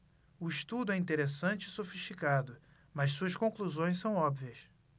o estudo é interessante e sofisticado mas suas conclusões são óbvias